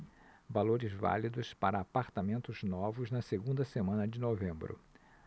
valores válidos para apartamentos novos na segunda semana de novembro